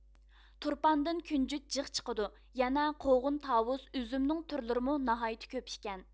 تۇرپاندىن كۈنجۈت جىق چىقىدۇ يەنە قوغۇن تاۋۇز ئۈزۈمنىڭ تۈرلىرىمۇ ناھايىتى كۆپ ئىكەن